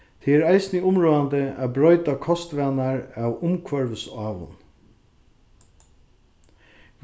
tað er eisini umráðandi at broyta kostvanar av umhvørvisávum